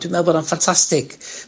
...dwi'n meddwl bod o'n ffantastig,